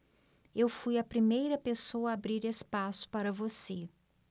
eu fui a primeira pessoa a abrir espaço para você